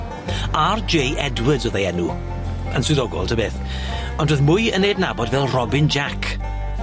Are Jay Edwards oedd ei enw, yn swyddogol ta beth ond o'dd mwy yn ei adnabod fel Robin Jac.